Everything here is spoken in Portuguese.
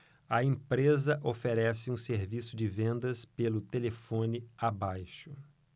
a empresa oferece um serviço de vendas pelo telefone abaixo